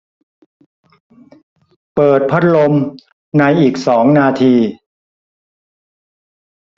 เปิดพัดลมในอีกสองนาที